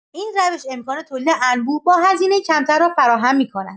این روش امکان تولید انبوه با هزینه کمتر را فراهم می‌کند.